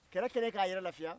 kɛlɛ kɛlen k'a yɛrɛ lafiya